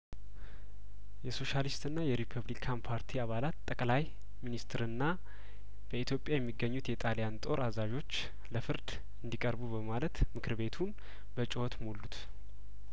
የሶሻሊስትና የሪፐብሊካን ፓርቲ አባላት ጠቅላይ ሚኒስትርና በኢትዮጵያ የሚገኙት የጣሊያን ጦር አዛዦች ለፍርድ እንዲ ቀርቡ በማለትምክር ቤቱን በጩኸት ሞሉት